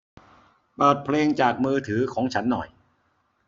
เปิดเพลงจากมือถือของฉันหน่อย